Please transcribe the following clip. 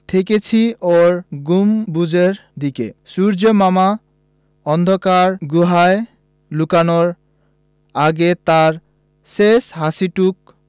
থেকেছি ওর গম্বুজের দিকে সূর্য্যিমামা অন্ধকার গুহায় লুকানোর আগে তাঁর শেষ হাসিটুকু